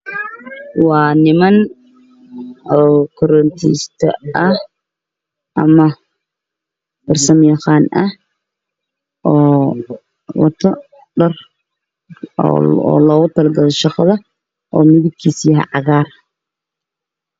Waa niman korontiista ah farsama yaqaan oo wata dhar loogu talagalay shaqada oo midabkiisu yahay cagaar